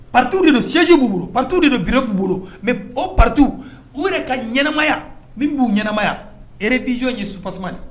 Patuw de don ssin'u bolo patu de don g b'u bolo mɛ o patu u bɛ ka ɲɛnaɛnɛmaya min b'u ɲɛnaɛnɛmaya rfizjo ye supsamani de